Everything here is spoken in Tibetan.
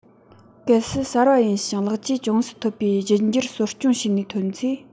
གལ སྲིད གསར པ ཡིན ཞིང ལེགས བཅོས ཅུང ཟད ཐོབ པའི རྒྱུད འགྱུར གསོ སྐྱོང བྱས ནས ཐོན ཚེ